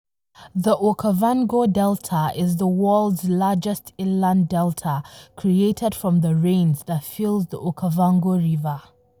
The Okavango Delta is the world's largest inland delta, created from the rains that fill the Okavango River.